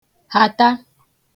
hàta